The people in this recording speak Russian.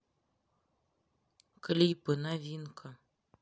клипы новинка